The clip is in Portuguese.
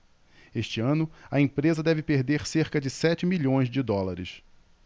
este ano a empresa deve perder cerca de sete milhões de dólares